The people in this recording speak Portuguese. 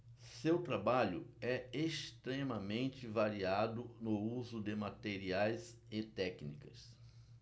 seu trabalho é extremamente variado no uso de materiais e técnicas